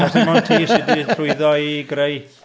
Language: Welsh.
Achos dim ond ti sy 'di llwyddo i greu...